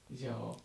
joo